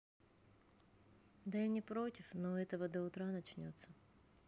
да я не против но этого до утра начнется